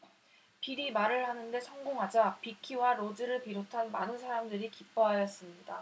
빌이 말을 하는 데 성공하자 빅키와 로즈를 비롯한 많은 사람들이 기뻐하였습니다